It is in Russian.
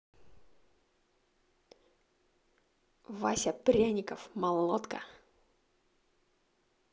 вася пряников молодка